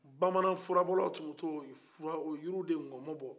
bamanan furabɔlaw tun bɛ t'o yiri de ngɔmɔ bɔ